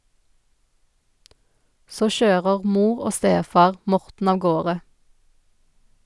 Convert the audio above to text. Så kjører mor og stefar Morten av gårde.